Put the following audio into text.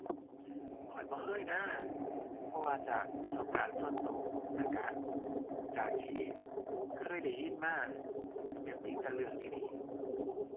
ข้อยบ่เคยนะ เพราะว่าจากประสบการณ์ส่วนตัวแล้วตัวจากที่เคยได้ยินมาตัวมีแต่เรื่องดีดี